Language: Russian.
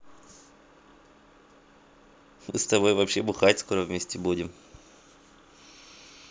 мы с тобой вообще бухать скоро вместе будем